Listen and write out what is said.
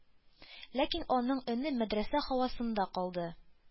Ләкин аның өне мәдрәсә һавасында калды.